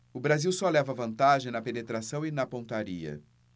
o brasil só leva vantagem na penetração e na pontaria